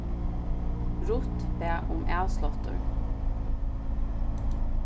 ruth bað um avsláttur